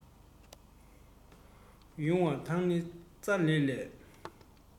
ཡུང བ དང ནི ཚ ལེ ལས